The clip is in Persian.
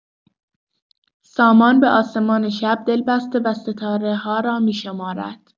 سامان به آسمان شب دل‌بسته و ستاره‌ها را می‌شمارد.